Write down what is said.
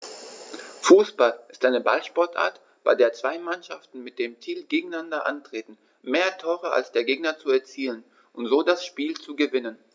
Fußball ist eine Ballsportart, bei der zwei Mannschaften mit dem Ziel gegeneinander antreten, mehr Tore als der Gegner zu erzielen und so das Spiel zu gewinnen.